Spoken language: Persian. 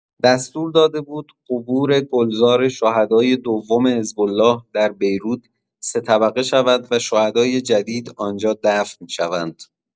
دستور داده بود قبور گلزار شهدای دوم حزب‌الله در بیروت سه‌طبقه شود و شهدای جدید آنجا دفن شوند.